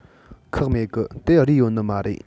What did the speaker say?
ཁག མེད གི དེ རས ཡོད ནི མ རེད